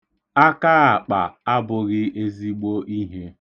Akaakpa abụghị ezigbo ihe.